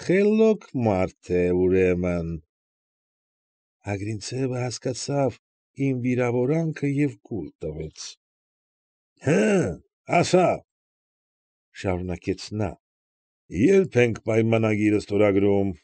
Խելոք մարդ է, ուրեմն… Ագրինցևը հասկացավ իմ վիրավորանքը և կուլ տվեց։ ֊ Հը՛, ասա,֊ շարունակեց նա,֊ ե՞րբ ենք պայմանագիրը ստորագրում։